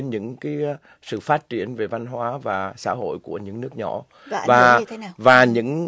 đến những cái sự phát triển về văn hóa và xã hội của những nước nhỏ và và những